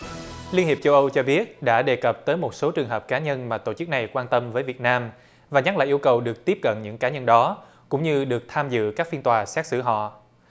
liên hiệp châu âu cho biết đã đề cập tới một số trường hợp cá nhân và tổ chức này quan tâm với việt nam và nhắc lại yêu cầu được tiếp cận những cá nhân đó cũng như được tham dự các phiên tòa xét xử họ